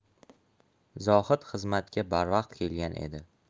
zohid xizmatga barvaqt kelgan edi